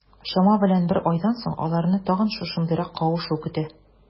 Чама белән бер айдан соң, аларны тагын шушындыйрак кавышу көтә.